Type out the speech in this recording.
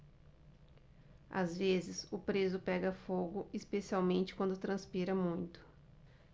às vezes o preso pega fogo especialmente quando transpira muito